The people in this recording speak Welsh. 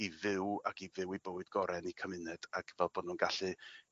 i fyw ac i fyw 'u bywyd gore' yn 'u cymuned ag fel bo' nw'n gallu